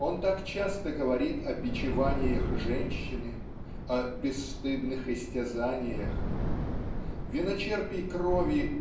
Он так часто говорит о бичеваниях женщины, о "бесстыдных истязаниях" виночерпий крови